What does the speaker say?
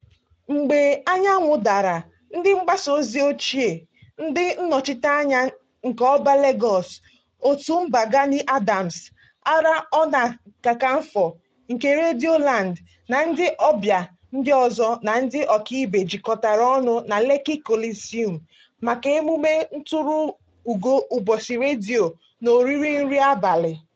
Mgbe anyanwụ dara, ndị mgbasa ozi ochie, ndị nnọchiteanya nke Oba Lagos, Ọ̀túnba Gani Adams, Ààrẹ Ọ̀nà Kakanfọ nke Yorùbá-land na ndị ọbịa ndị ọzọ na ndị ọkaibe jikọtara ọnụ na Lekki Coliseum maka emume nturu ugo ụbọchị redio na oriri nri abalị.